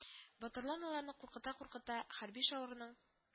Батырлан аларны куркыта-куркыта Хәрби шаурның